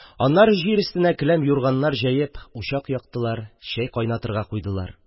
Аннары җир өстенә келәм-юрганнар җәйделәр, учак яктылар, чәй кайнатырга куйдылар.